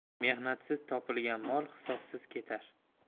mehnatsiz topilgan mol hisobsiz ketar